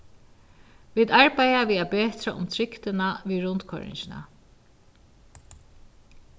vit arbeiða við at betra um trygdina við rundkoyringina